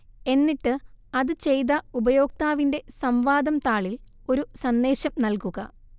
എന്നിട്ട് അത് ചെയ്ത ഉപയോക്താവിന്റെ സംവാദം താളിൽ ഒരു സന്ദേശം നൽകുക